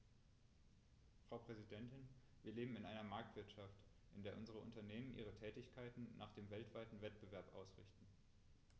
Frau Präsidentin, wir leben in einer Marktwirtschaft, in der unsere Unternehmen ihre Tätigkeiten nach dem weltweiten Wettbewerb ausrichten.